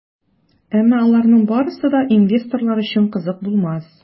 Әмма аларның барысы да инвесторлар өчен кызык булмас.